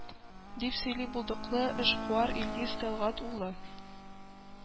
Дип сөйли булдыклы эшкуар илгиз тәлгать улы